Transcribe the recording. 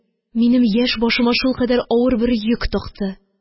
Минем яшь башыма шулкадәр авыр бер йөк такты.